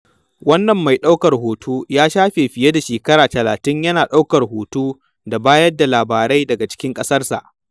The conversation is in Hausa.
Wannan mai ɗaukar hoton ya shafe fiye da shekara 30 yana ɗaukar hoto da bayar da labarai daga cikin ƙasarsa.